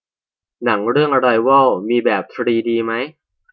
หนังเรื่องอะไรวอลมีแบบทรีดีมั้ย